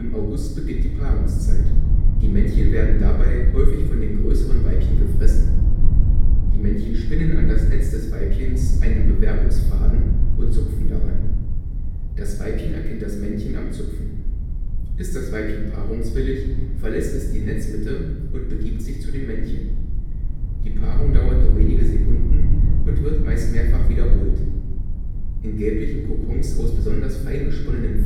August beginnt die Paarungszeit; die Männchen werden dabei häufig von den größeren Weibchen gefressen. Die Männchen spinnen an das Netz des Weibchens einen Bewerbungsfaden und zupfen daran. Das Weibchen erkennt das Männchen am Zupfen. Ist das Weibchen paarungswillig, verlässt es die Netzmitte und begibt sich zu dem Männchen. Die Paarung dauert nur wenige Sekunden und wird meist mehrfach wiederholt. In gelblichen Kokons aus besonders fein gesponnenen